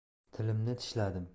tilimni tishladim